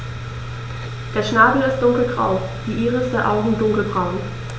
Der Schnabel ist dunkelgrau, die Iris der Augen dunkelbraun.